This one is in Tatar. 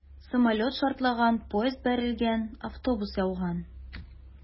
Самолет шартлаган, поезд бәрелгән, автобус ауган...